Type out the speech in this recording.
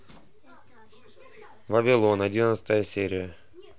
вавилон одиннадцатая серия